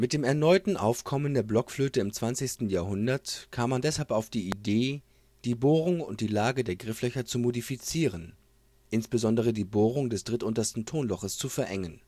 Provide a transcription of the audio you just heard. dem erneuten Aufkommen der Blockflöte im 20. Jahrhundert kam man deshalb auf die Idee, die Bohrung und die Lage der Grifflöcher zu modifizieren, insbesondere die Bohrung des drittuntersten Tonloches zu verengen